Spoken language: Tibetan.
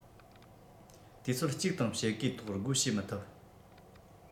དུས ཚོད གཅིག དང ཕྱེད ཀའི ཐོག སྒོ ཕྱེ མི ཐུབ